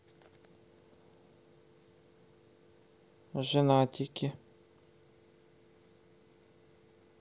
женатики